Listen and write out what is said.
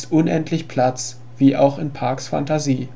unendlich Platz wie auch in Parks Phantasie